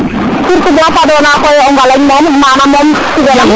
surtout koy o fadoda o Ngalagne koy moom mana moom tiga nam